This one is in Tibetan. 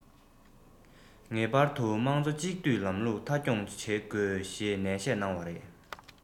ངེས པར དུ དམངས གཙོ གཅིག སྡུད ལམ ལུགས མཐའ འཁྱོངས བྱེད དགོས ཞེས ནན བཤད གནང བ རེད